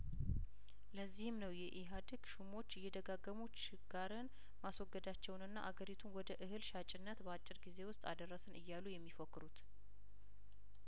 ለዚህም ነው የኢሀዴግ ሹሞች እየደጋገሙ ችጋርን ማስወገዳቸውንና አገሪቱን ወደ እህል ሻጭነት በአጭር ጊዜ ውስጥ አደረሰን እያሉ የሚፎክሩት